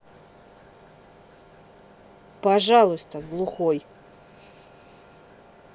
пожалуйста глухой